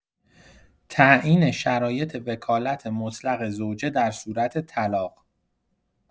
تعیین شرایط وکالت مطلق زوجه در صورت طلاق